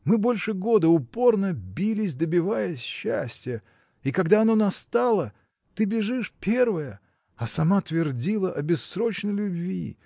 Мы больше года упорно бились, добиваясь счастья, — и когда оно настало, ты бежишь первая, а сама твердила о бессрочной любви.